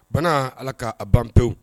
Bana ala k'a bantewu